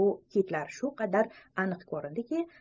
u kitlar shu qadar aniq ko'rindiki